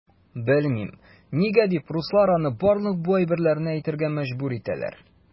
Белмим, нигә дип руслар аны барлык бу әйберләрне әйтергә мәҗбүр итәләр.